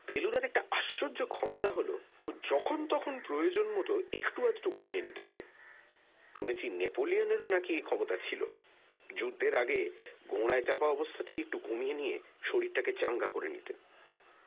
ফেলুদার একটা আশ্চর্য ক্ষমতা হল ও যখন তখন প্রয়োজন মতো একটু আধটু ঘুমিয়ে নিতে পারে শুনেছি নেপোলিয়নেরও নাকি এ ক্ষমতা ছিল যুদ্ধের আগে ঘোড়ায় চাপা অবস্থাতেই একটু ঘুমিয়ে নিয়ে শরীরটাকে চাঙ্গ করে নিতেন